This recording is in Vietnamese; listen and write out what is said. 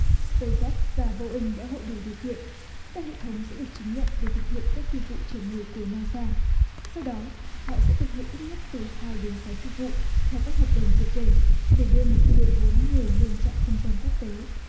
sờ phây rách và bâu inh đã hội đủ điều kiện các hệ thống sẽ được chứng nhận để thực hiện các phi vụ chở người của na sa sau đó họ sẽ thực hiện ít nhất từ hai đến sáu phi vụ theo các hợp đồng vừa kể để đưa một phi đội bốn người lên trạm không gian quốc tế